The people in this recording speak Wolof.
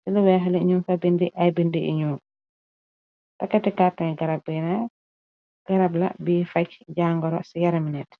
ci lu weex le ñu fa bindi ay bindu pakati carton gara garab la bi faj jangoro ci yaraminet.